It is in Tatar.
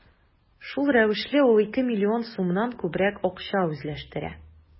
Шул рәвешле ул ике миллион сумнан күбрәк акча үзләштерә.